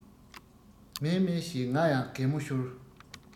མཱེ མཱེ ཞེས ང ཡང གད མོ ཤོར